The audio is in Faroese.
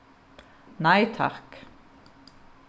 nei takk